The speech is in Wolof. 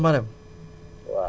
Kër allé Marème